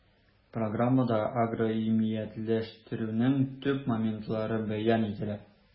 Программада агроиминиятләштерүнең төп моментлары бәян ителә.